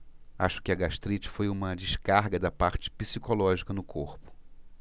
acho que a gastrite foi uma descarga da parte psicológica no corpo